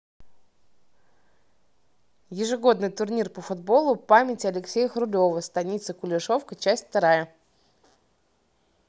ежегодный турнир по футболу памяти алексея хрулева станица кулешовка часть вторая